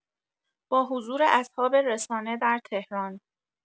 با حضور اصحاب رسانه در تهران